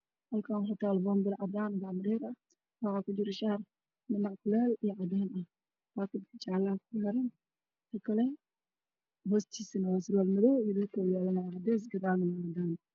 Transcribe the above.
Meeshaan waxaa ka muuqdo shaar cadaan iyo madaw iyo surwaal madaw ah boonbalahana waa cadaan